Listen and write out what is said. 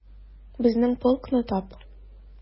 Безнең полкны тап...